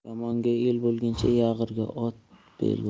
yomonga el bo'lguncha yag'ir otga bel bo'l